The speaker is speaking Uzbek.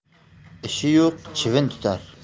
ishi yo'q chivin tutar